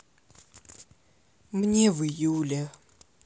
мне в июле